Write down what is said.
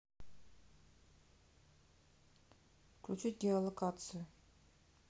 включить геолокацию